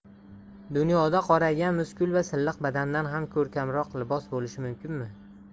dunyoda qoraygan muskul va silliq badandan ham ko'rkamroq libos bo'lishi mumkinmi